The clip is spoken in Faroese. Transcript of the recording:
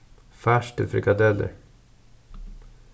fars til frikadellur